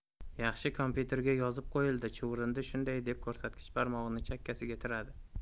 yaxshi kompyuterga yozib qo'yildi chuvrindi shunday deb ko'rsatkich barmog'ini chakkasiga tiradi